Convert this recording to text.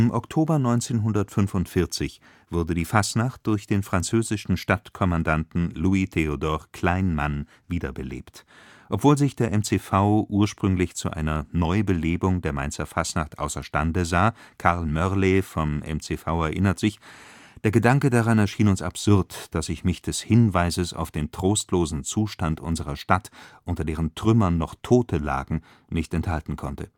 Oktober 1945 wurde die Fastnacht durch den französischen Stadtkommandanten Louis Théodore Kleinmann wiederbelebt. Obwohl sich der MCV ursprünglich zu einer Neubelebung der Mainzer Fastnacht außerstande sah (Karl Moerlé vom MCV erinnert sich: „ Der Gedanke daran erschien uns absurd, dass ich mich des Hinweises auf den trostlosen Zustand unserer Stadt, unter deren Trümmern noch Tote lagen, …, nicht enthalten konnte